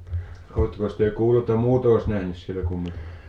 olettekos te kuullut että muut olisi nähnyt siellä kummituksia